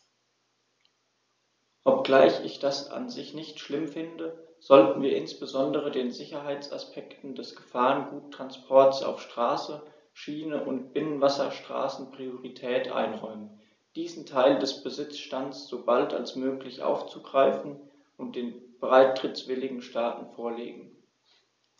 Obgleich ich das an sich nicht schlimm finde, sollten wir insbesondere den Sicherheitsaspekten des Gefahrguttransports auf Straße, Schiene und Binnenwasserstraßen Priorität einräumen, diesen Teil des Besitzstands so bald als möglich aufgreifen und den beitrittswilligen Staaten vorlegen.